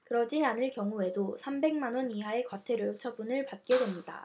그러지 않을 경우에는 삼백 만 원 이하의 과태료 처분을 받게 됩니다